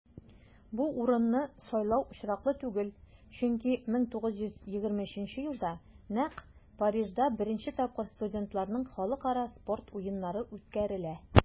Бу урынны сайлау очраклы түгел, чөнки 1923 елда нәкъ Парижда беренче тапкыр студентларның Халыкара спорт уеннары үткәрелә.